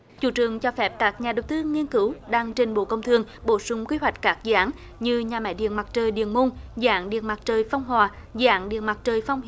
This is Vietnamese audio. chủ trương cho phép các nhà đầu tư nghiên cứu đang trình bộ công thương bổ sung quy hoạch các dự án như nhà máy điện mặt trời điện môn dự án điện mặt trời phong hòa dự án điện mặt trời phong